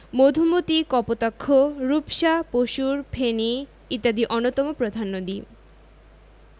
মধুমতি কপোতাক্ষ রূপসা পসুর ফেনী ইত্যাদি অন্যতম প্রধান নদী